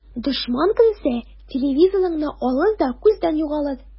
Дошман керсә, телевизорыңны алыр да күздән югалыр.